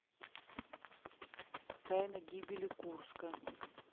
тайна гибели курска